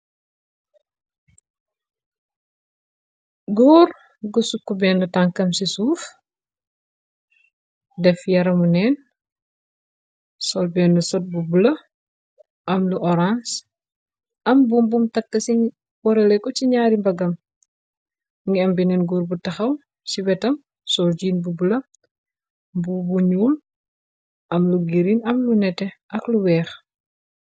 Góor gusukk benn tànkam ci suuf , def yaramu neen sol benn sot bu bula am lu orange , am bum bum takk ci warale ko ci ñaari mbagam, ngi ambi neen góor bu taxaw ci wetam sol jiin bu bula, mbubu ñuul am lu girin am lu nete ak lu weex.